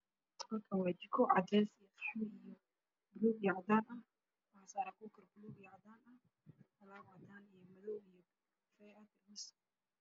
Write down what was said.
Waa jiko waxa leedhay qaanado iyo